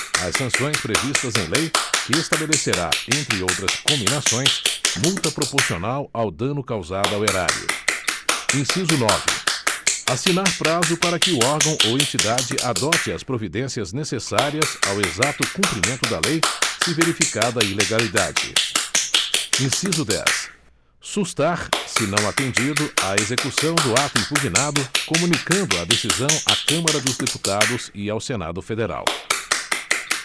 as sanções previstas em lei que estabelecerá entre outras cominações multa proporcional ao dano causado ao erário inciso nove assinar prazo para que o órgão ou entidade adote as providências necessárias ao exato cumprimento da lei se verificada ilegalidade inciso dez sustar se não atendido a execução do ato impugnado comunicando a decisão à câmara dos deputados e ao senado federal